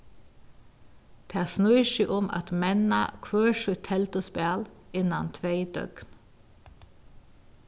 tað snýr seg um at menna hvør sítt telduspæl innan tvey døgn